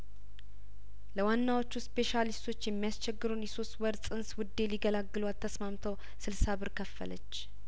ለዋናዎቹ ስፔሻሊስቶች የሚያስቸግረውን የሶስት ወር ጽንስ ውዴ ሊገላግሏት ተስማምተው ስልሳ ብር ከፈለች